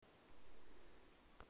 боруто надю